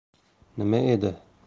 nima edi